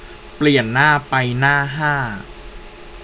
เปลี่ยนหน้าไปหน้าห้า